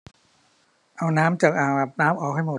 เอาน้ำจากอ่างอาบน้ำออกให้หมด